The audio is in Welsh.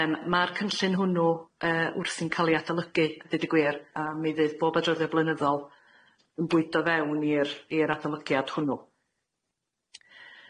Yym ma'r cynllun hwnnw yy wrthi'n ca'l i adolygu, deud y gwir a mi ddydd bob adroddiad blynyddol yn bwydo fewn i'r i'r adolygiad hwnnw.